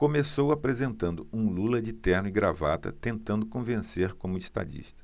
começou apresentando um lula de terno e gravata tentando convencer como estadista